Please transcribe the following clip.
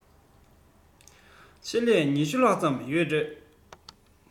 ཆེད ལས ༢༠ ལྷག ཙམ ཡོད རེད